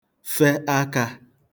fe ākā